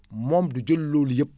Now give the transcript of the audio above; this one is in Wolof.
moom du jël loolu yëpp